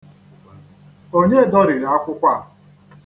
Onye dọriri akwụkwọ a?